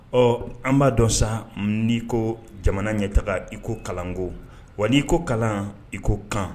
Ɔ an b'a dɔn sa n'i ko jamana ɲɛ taga i ko kalanko wa n'i ko kalan i ko kan